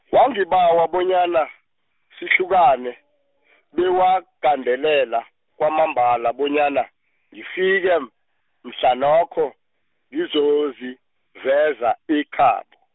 wangibawa bonyana, sihlukane , bewagandelela kwamambala bonyana, ngifike, mhlanokho ngizoziveza ekhabo.